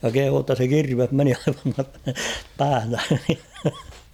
ja kehui jotta se kirves meni aivan tuosta pään